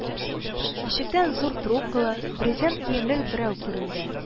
Ишектән зур трубкалы, брезент киемле берәү күренде: